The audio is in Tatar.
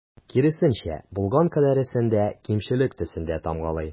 Киресенчә, булган кадәресен дә кимчелек төсендә тамгалый.